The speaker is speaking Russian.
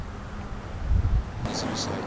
не зависай